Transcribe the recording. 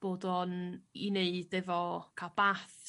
Bod o'n i neud efo ca'l bath